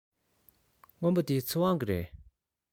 སྔོན པོ འདི ཚེ དབང གི རེད